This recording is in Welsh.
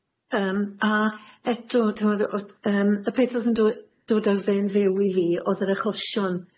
Yym, a eto t'mod o'dd yym... Y peth o'dd yn do- dod ar fe'n fyw i fi o'dd yr achosion.